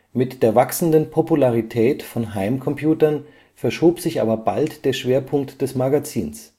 Mit der wachsenden Popularität von Heimcomputern verschob sich aber bald der Schwerpunkt des Magazins